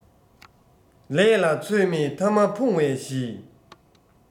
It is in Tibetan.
ལས ལ ཚོད མེད ཐ མ ཕུང བའི གཞི